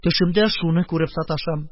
Төшемдә шуны күреп саташам.